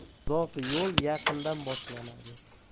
uzoq yo'l yaqindan boshlanadi